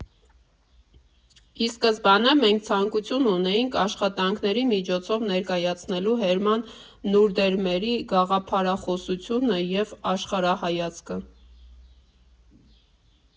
Ի սկզբանե, մենք ցանկություն ունեինք աշխատանքների միջոցով ներկայացնելու Հերման Նուրդերմերի գաղափարախոսությունը և աշխարհայացքը։